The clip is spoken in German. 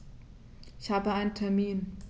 Ich habe einen Termin.